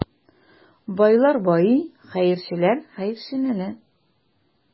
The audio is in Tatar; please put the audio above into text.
Байлар байый, хәерчеләр хәерчеләнә.